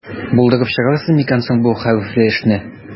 Булдырып чыгарсыз микән соң бу хәвефле эшне?